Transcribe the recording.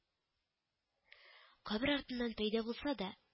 Кабер артыннан пәйда булса да